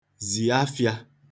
zị afịā